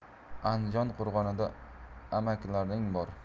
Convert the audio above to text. andijon qo'rg'onida amakilaring bor